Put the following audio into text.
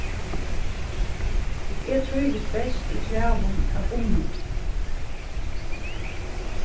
eg trívist best í klæðum av bummull